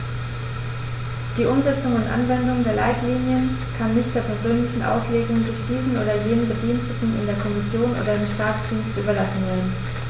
Die Umsetzung und Anwendung der Leitlinien kann nicht der persönlichen Auslegung durch diesen oder jenen Bediensteten in der Kommission oder im Staatsdienst überlassen werden.